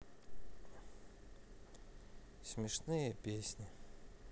смешные песни